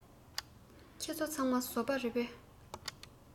ཁྱེད ཚོ ཚང མ བཟོ པ རེད པས